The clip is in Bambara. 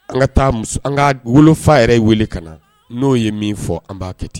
An ka taa an ka wolofa yɛrɛ weele ka na n'o ye min fɔ an b'a kɛ ten